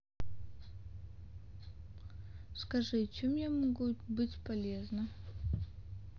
скажи чем я могу быть полезна